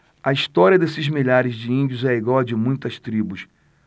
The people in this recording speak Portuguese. a história desses milhares de índios é igual à de muitas tribos